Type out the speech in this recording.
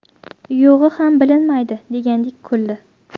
yo'g'i ham bilinmaydi degandek kuldi